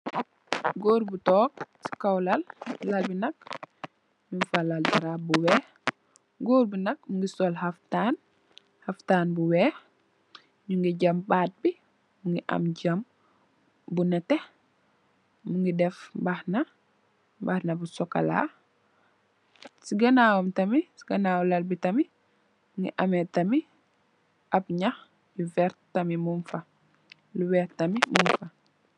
Goor gu toog si kpw lal, la bi nak, nyung fa lal darab bu weex. Goor bi nak, mu ng sol xaftaan, xaftaan bu weex, nyu gi jam baat bi, jam bu nette, mu gi def mbaxana, mbaxana bu sokolaa, si ganaawam tamit, mu ngi am ab nyax, lu weta tamit mung fa, lu weex tamit mung fa.